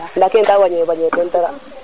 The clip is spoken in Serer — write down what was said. nda kene daal wañe teen dara